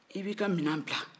i b'i ka minan bila